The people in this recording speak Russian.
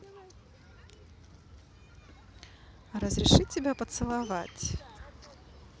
разреши тебя поцеловать